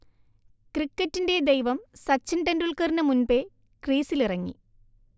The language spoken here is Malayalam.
'ക്രിക്കറ്റിന്റെ ദൈവം' സച്ചിൻ ടെൻഡുൽക്കറിന് മുൻപേ ക്രീസിലിറങ്ങി